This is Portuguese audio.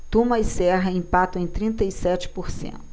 tuma e serra empatam em trinta e sete por cento